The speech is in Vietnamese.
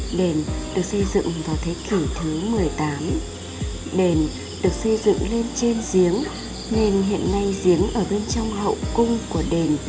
đền được xây dựng vào thế kỷ thứ đền được xây dựng nên trên giếng nên hiện nay giếng ở bên trong hậu cung của đền